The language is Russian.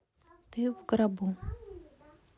ты в гробу